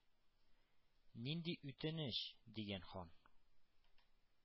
— нинди үтенеч?— дигән хан.